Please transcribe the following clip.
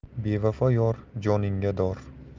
bevafo yor joningga dor